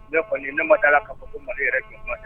Ne fa nama la ka fɔ ko mali yɛrɛ jɔn kɛ